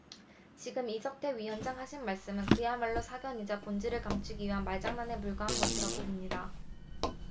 지금 이석태 위원장 하신 말씀은 그야말로 사견이자 본질을 감추기 위한 말장난에 불과한 것이라고 봅니다